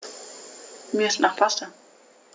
Mir ist nach Pasta.